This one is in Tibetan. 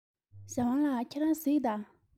ཞའོ ཝང ལགས ཁྱེད རང གཟིགས དང